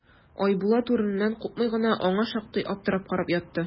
Айбулат, урыныннан купмый гына, аңа шактый аптырап карап ятты.